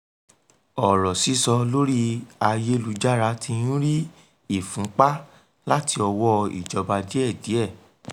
Ọ̀rọ̀ sísọ lórí ayélujára ti ń rí ìfúnpa láti ọwọ́ ìjọba díẹ̀ díẹ̀.